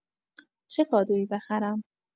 چه کادویی بخرم؟